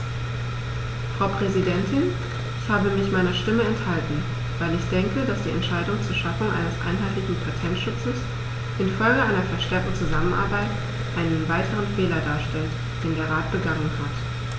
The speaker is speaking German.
Frau Präsidentin, ich habe mich meiner Stimme enthalten, weil ich denke, dass die Entscheidung zur Schaffung eines einheitlichen Patentschutzes in Folge einer verstärkten Zusammenarbeit einen weiteren Fehler darstellt, den der Rat begangen hat.